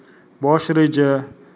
bosh reja